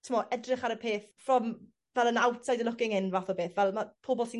t'mo' edrych ar y peth from fel yn outside an' looking in fath o beth fel ma' pobol sy'n